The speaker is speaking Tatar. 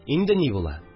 Инде ни була